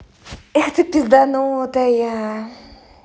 эх ты пизданутая